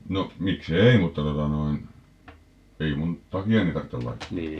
no miksi ei mutta tuota noin ei minun takiani tarvitse laittaa